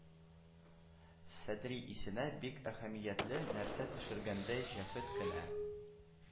Садри, исенә бик әһәмиятле нәрсә төшергәндәй, җәһәт кенә